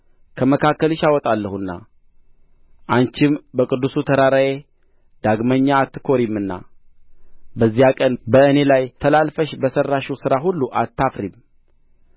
ከመካከልሽ አወጣለሁና አንቺም በቅዱስ ተራራዬ ዳግመኛ አትኰሪምና በዚያ ቀን በእኔ ላይ ተላልፈሽ በሠራሽው ሥራ ሁሉ አትፍሪም